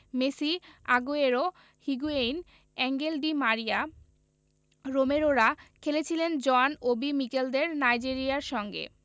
Messi Aguero Higuain Angel Di Maria রোমেরোরা খেলেছিলেন John Obi মিকেলদের নাইজেরিয়ার সঙ্গে